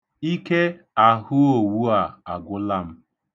Ike ahụowu a agwụla m.